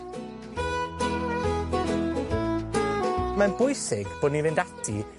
Mae'n bwysig bod ni'n fynd ati